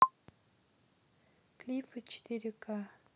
клипы четыре ка